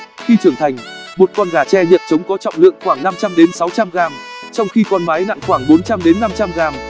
khi trưởng thành một con gà tre nhật trống có trọng lượng khoảng g trong khi con mái nặng khoảng g